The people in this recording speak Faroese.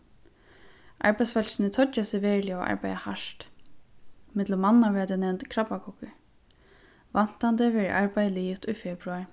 arbeiðsfólkini toyggja seg veruliga og arbeiða hart millum manna verða tey nevnd krabbagoggur væntandi verður arbeiðið liðugt í februar